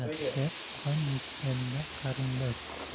yaxshi qon yutganda qarindosh